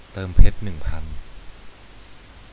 เติมเพชรหนึ่งพัน